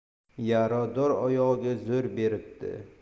yarador oyog'iga zo'r beribdi